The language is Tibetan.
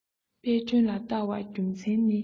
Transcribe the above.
དཔལ སྒྲོན ལ བལྟ བར རྒྱུ མཚན ནི